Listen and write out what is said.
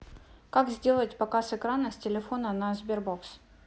как сделать показ экрана с телефона на sberbox